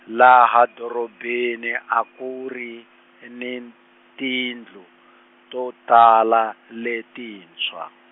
laha doropeni a ku ri, e ni tindlu, to tala, letintshwa.